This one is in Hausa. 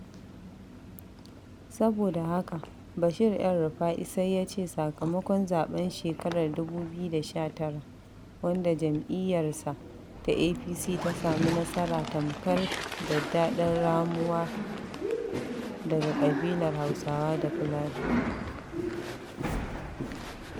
Saboda haka, Bashir El-Rufai sai ya ce sakamakon zaɓen shekarar 2019 wanda jam'iyyarsa ta APC ta samu nasara tamkar daddaɗar "ramuwa" daga ƙabilar Hausawa da Fulani.